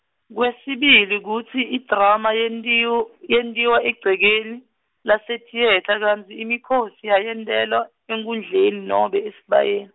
kwesibili kutsi idrama yentiwe, yentiwe egcekeni, lasetiyetha kantsi imikhosi yayentelwa, enkhundleni nobe esibayeni.